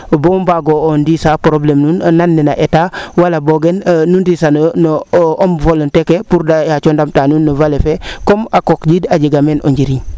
boo mbaago ndiisa probleme nuun nan nena Etat wala bogen nu ndisano yo homme volonté kee pour de yaaco ndam taa nuun no vallée fee comme a qooq ƴiiɗ a jega meen o njiriñ